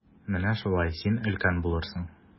Менә шулай, син өлкән булырсың.